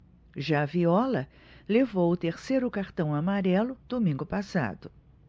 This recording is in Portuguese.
já viola levou o terceiro cartão amarelo domingo passado